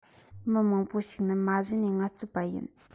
མི མང པོ ཞིག ནི མ གཞི ནས ངལ རྩོལ པ ཡིན